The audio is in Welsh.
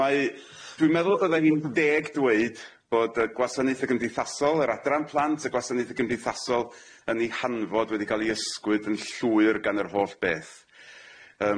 Mae dwi'n meddwl fydda i'n deg dweud bod yy gwasanaethe gymdeithasol yr Adran Plant y gwasanaethe gymdeithasol yn ei hanfod wedi ca'l 'i ysgwyd yn llwyr gan yr holl beth.